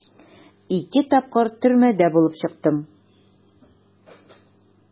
Ике тапкыр төрмәдә булып чыктым.